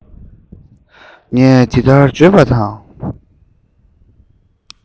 ངས འདི ལྟར བརྗོད པ དང